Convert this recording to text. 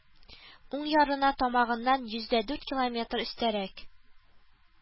Уң ярына тамагыннан йөз дә дүрт километр өстәрәк